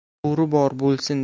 bo'ri bor bo'lsin